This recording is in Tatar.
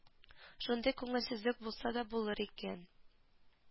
Шундый күңелсезлек булса да булыр икән